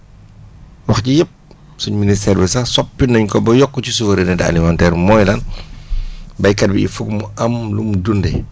wax ji yëpp suñ ministère bi sax soppi nañ ko ba yokk ci souveraineté alimentaire mooy lan béykat bi il foog mu am lu mu dundee